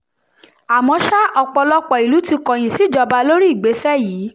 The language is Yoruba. Àmọ́ ṣá, ọ̀pọ̀lọpọ̀ ìlú ti kọ̀yìn síjọba lórí ìgbésẹ̀ yìí.